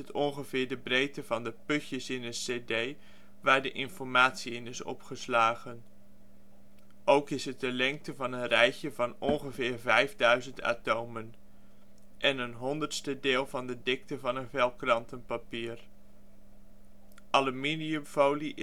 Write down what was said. ongeveer de breedte van de putjes in een CD waar de informatie in is opgeslagen de lengte van een rijtje van ongeveer 5000 atomen een honderdste deel van de dikte van een vel krantenpapier aluminiumfolie